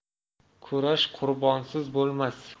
kurash qurbonsiz bo'lmas